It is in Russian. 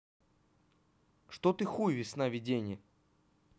что ты хуй весна видения